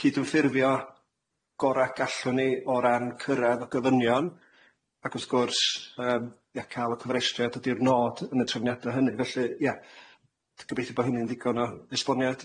cydymffurfio gora gallwn ni o ran cyrradd y gofynion ac wrth gwrs yym ia ca'l y cofrestriad ydi'r nod yn y trefniade hynny felly ia, gobeithio bo' hynny'n ddigon o esboniad.